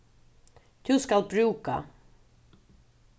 tú skalt brúka